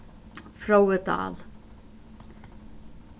fróði dahl